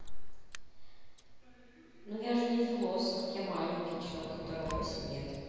ну я же не философ я маленький че к которому восемь лет